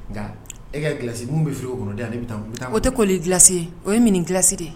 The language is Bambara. Nka, E ka glace mun bɛ frigo kɔnɔ, o di yan ne bɛ taa n ko, n bɛ taa n ko. O tɛ koli glace ye, o ye mini glace ye.